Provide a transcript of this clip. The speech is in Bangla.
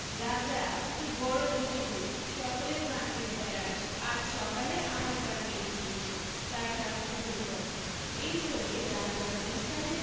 রাজা তুই বড়ো দুষ্ট সকলের কান কেটে বেড়াস আজ সকালে আমার কান কেটেছিস তার শাস্তি ভোগ কর এই বলে রাজার দুই গালে